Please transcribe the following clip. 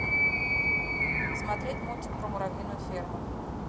смотреть мультик про муравьиную ферму